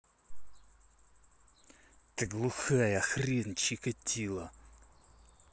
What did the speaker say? ты глухая хрен чикатило